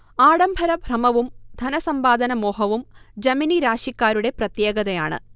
ആഡംബര ഭ്രമവും ധനസമ്പാദന മോഹവും ജമിനി രാശിക്കാരുടെ പ്രത്യേകതയാണ്